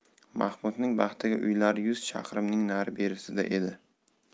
mahmudning baxtiga uylari yuz chaqirimning nari berisida edi